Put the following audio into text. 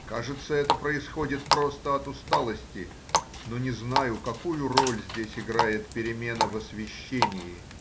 Кажется, это происходит просто от усталости, но не знаю, какую роль здесь играет перемена в освещении